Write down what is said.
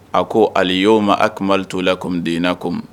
A ko ali y'o ma a kuri t'o la kɔmimidenina kɔmi